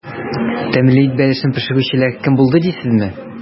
Тәмле ит бәлешен пешерүчеләр кем булды дисезме?